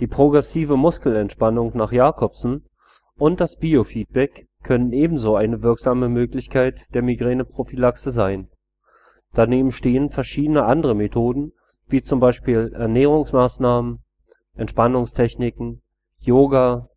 Die Progressive Muskelentspannung nach Jacobson und das Biofeedback können ebenso eine wirksame Möglichkeit der Migräneprophylaxe sein. Daneben stehen verschiedene andere Methoden, wie zum Beispiel Ernährungsmaßnahmen, Entspannungstechniken, Yoga,